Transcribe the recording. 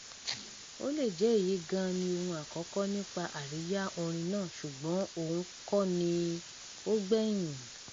Ó lè jẹ́ èyí gan-an ni oun àkọ́kọ́ nípa àríyá orin náà, ṣùgbọ́n òun kọ́ ni ó gbẹ̀yìn.